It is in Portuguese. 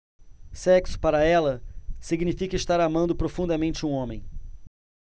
sexo para ela significa estar amando profundamente um homem